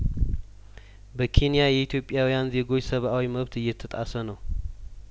በኬንያ የኢትዮጵያውያን ዜጐች ሰብአዊ መብት እየተጣሰ ነው